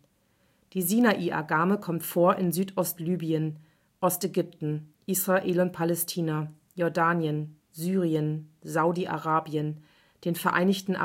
Die Sinai-Agame kommt in Südost-Libyen, Ost-Ägypten, Israel und Palästina, Jordanien, Syrien, Saudi-Arabien, den Vereinigten